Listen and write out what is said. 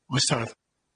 Oes tad.